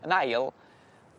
yn ail